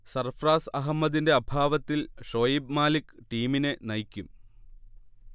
സർഫ്രാസ് അഹമ്മദിന്റെ അഭാവത്തിൽ ഷൊയ്ബ് മാലിക് ടീമിനെ നയിക്കും